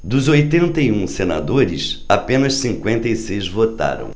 dos oitenta e um senadores apenas cinquenta e seis votaram